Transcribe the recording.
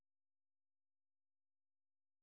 да есть рбк